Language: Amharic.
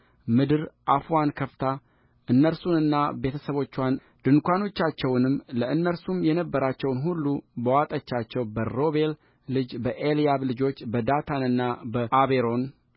ምድር አፍዋን ከፍታ እነርሱንና ቤተሰቦቻቸውን ድንኳኖቻቸውንም ለእነርሱም የነበራቸውን ሁሉ በዋጠቻቸው በሮቤል ልጅ በኤልያብ ልጆች በዳታንና በአቤሮን